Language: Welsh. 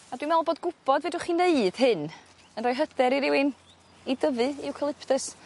A dwi' me'wl bod gwbod fedrwch chi' neud hyn yn roi hyder i rywun i dyfu Eucalyptus